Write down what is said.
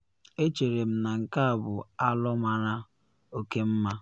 “Echere m na nke a bụ alo mara oke mma.